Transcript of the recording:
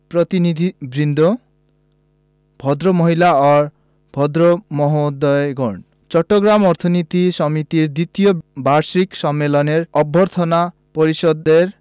প্রতিনিধিবৃন্দ ভদ্রমহিলা ও ভদ্রমহোদয়গণ চট্টগ্রাম অর্থনীতি সমিতির দ্বিতীয় বার্ষিক সম্মেলনের অভ্যর্থনা পরিষদের